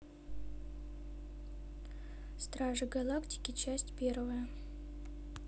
стражи галактики часть первая